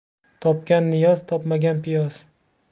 topgan niyoz topmagan piyoz